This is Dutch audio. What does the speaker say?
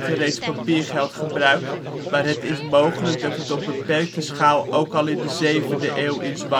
reeds papiergeld gebruikt, maar het is mogelijk dat het op beperkte schaal ook al in de 7e eeuw in